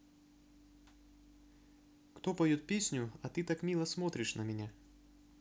кто поет песню а ты так мило смотришь на меня